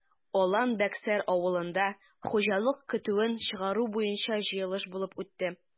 Алан-Бәксәр авылында хуҗалык көтүен чыгару буенча җыелыш булып үтте.